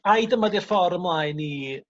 ...ai dyma 'di'r ffor ymlaen i